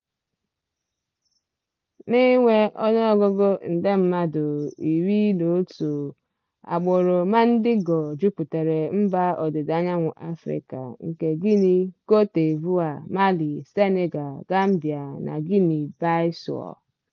N'inwe ọnụọgụgụ nde mmadụ 11, agbụrụ Mandingo jupụtara Mba Ọdịdaanyanwụ Afrịka nke Guinea, Cote d'Ivoire, Mali, Senegal, Gambia na Guinea-Bissau.